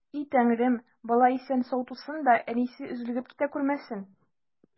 И Тәңрем, бала исән-сау тусын да, әнисе өзлегеп китә күрмәсен!